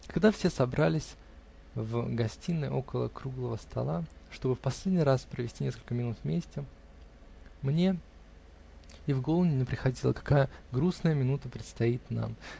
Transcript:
Когда все собрались в гостиной около круглого стола, чтобы в последний раз провести несколько минут вместе, мне и в голову не приходило, какая грустная минута предстоит нам.